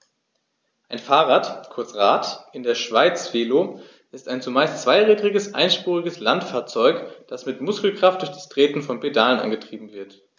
Ein Fahrrad, kurz Rad, in der Schweiz Velo, ist ein zumeist zweirädriges einspuriges Landfahrzeug, das mit Muskelkraft durch das Treten von Pedalen angetrieben wird.